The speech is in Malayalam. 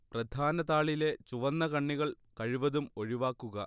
പ്രധാനതാളിലെ ചുവന്നകണ്ണികൾ കഴിവതും ഒഴിവാക്കുക